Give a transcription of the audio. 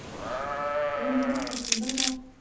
keyin nima qilishni bilmay